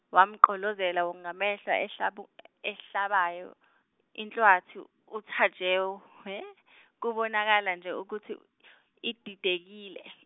yamgqolozela ngamehlo ehlabu- ehlabayoinhlwathi uTajewo , kubonakala nje ukuthi, ididekile.